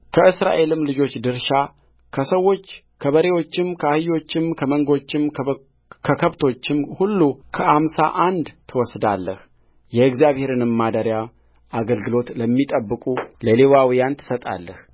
ከእስራኤልም ልጆች ድርሻ ከሰዎች ከበሬዎችም ከአህዮችም ከመንጎችም ከከብቶችም ሁሉ ከአምሳ አንድ ትወስዳለህ የእግዚአብሔርንም ማደሪያ አገልግሎት ለሚጠብቁ ለሌዋውያን ትሰጣለህ